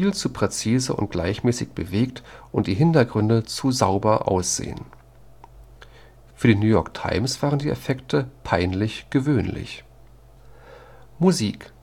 zu präzise und gleichmäßig bewegt und die Hintergründe zu sauber aussehen. Für die New York Times waren die Effekte peinlich gewöhnlich. Musik